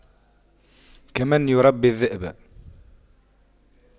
كمن يربي الذئب